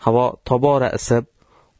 havo tobora isib